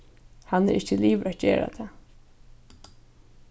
hann er ikki liðugur at gera tað